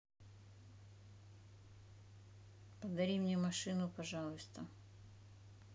подари мне машину пожалуйста